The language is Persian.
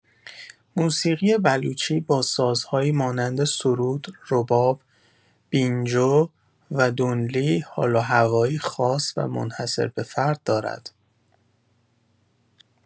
موسیقی بلوچی با سازهایی مانند سرود، رباب، بینجو و دونلی، حال و هوایی خاص و منحصربه‌فرد دارد.